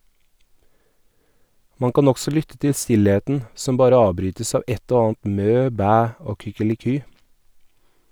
Man kan også lytte til stillheten , som bare avbrytes av ett og annet mø, bæ og kykeliky.